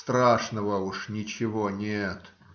Страшного уж ничего нет.